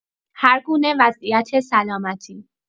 هرگونه وضعیت سلامتی